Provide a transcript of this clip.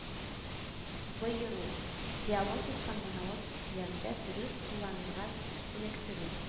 Боеру) диалогик һəм монологик сөйлəмдə дөрес кулланырга күнектерү